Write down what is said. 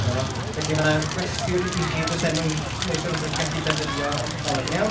'na fo. Felly ma' 'na gwestiwn i chi, jyst er mwyn g- j- wneud siŵr os dach chi'n gallu defnyddio y dechnoleg yn iawn.